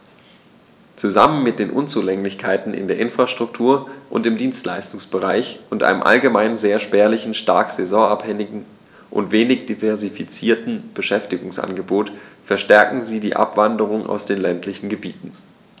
Zusammen mit den Unzulänglichkeiten in der Infrastruktur und im Dienstleistungsbereich und einem allgemein sehr spärlichen, stark saisonabhängigen und wenig diversifizierten Beschäftigungsangebot verstärken sie die Abwanderung aus den ländlichen Gebieten.